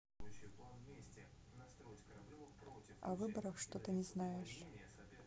а в выборах что то не знаешь